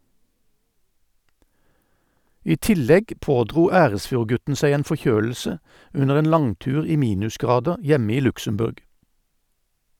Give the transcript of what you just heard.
I tillegg pådro Eresfjord-gutten seg en forkjølelse under en langtur i minusgrader hjemme i Luxembourg.